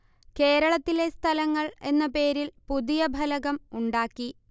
കേരളത്തിലെ സ്ഥലങ്ങള് എന്ന പേരില് പുതിയ ഫലകം ഉണ്ടാക്കി